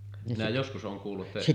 minä joskus olen kuullut että